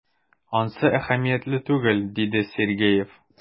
Ансы әһәмиятле түгел,— диде Сергеев.